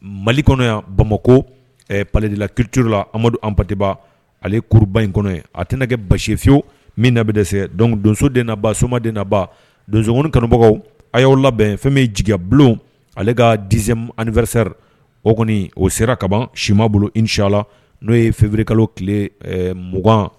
Mali kɔnɔya bamakɔ padla kiricurula amadu an patiba ale kuruba in kɔnɔ ye a tɛna kɛ basiyewu min na bɛ de don donso de naba soma de naba donsog kanubagaw a y'aw labɛn fɛn min jigibu ale ka diz anifasɛri o kɔni o sera kaban sima bolo in syala n'o ye fɛnfururi kalolo tile 2ugan